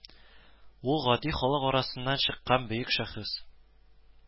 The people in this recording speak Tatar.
Ул гади халык арасыннан чыккан бөек шәхес